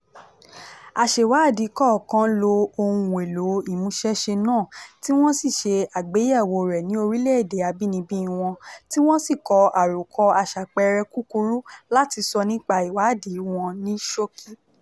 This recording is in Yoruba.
Aṣèwádìí kọ̀ọ̀kan lo ohun èlò ìmúṣẹ́ṣe náà tí wọ́n sì ṣe àgbéyẹ̀wò rẹ̀ ní orílẹ̀-èdè àbínibí wọn, tí wọ́n sì kọ àròkọ aṣàpẹẹrẹ kúkúrú láti sọ nípa ìwádìí wọn ní ṣókí.